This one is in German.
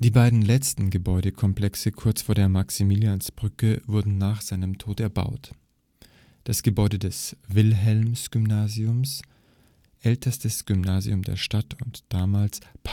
beiden letzten Gebäudekomplexe kurz vor der Maximiliansbrücke wurden nach seinen Tod erbaut: Das Gebäude des Wilhelmsgymnasiums, ältestes Gymnasium der Stadt und damals Pagenerziehungsanstalt